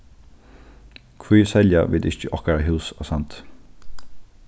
hví selja vit ikki okkara hús á sandi